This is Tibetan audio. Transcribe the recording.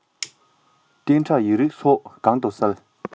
གཏན ཁྲ ཡིག རིགས སོགས གང དུ གསལ